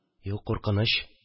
Юк, куркыныч